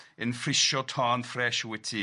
Yn ffrisio tôn ffres i wyt ti.